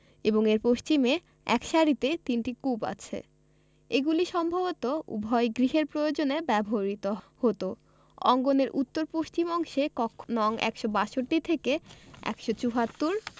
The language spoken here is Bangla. এবং এর পশ্চিমে এক সারিতে তিনটি কূপ আছে এগুলি সম্ভবত উভয় গৃহের প্রয়োজনে ব্যবহূত হতো অঙ্গনের উত্তর পশ্চিম অংশে কক্ষ নং ১৬২ থেকে ১৭৪